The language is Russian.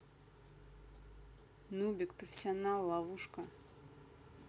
нубик профессионал ловушка